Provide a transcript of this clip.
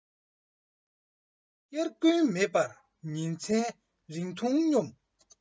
དབྱར དགུན མེད པར ཉིན མཚན རིང འཐུང སྙོམས